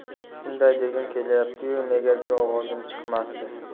shunday degim kelardi yu negadir ovozim chiqmasdi